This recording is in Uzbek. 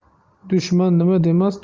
dushman nima demas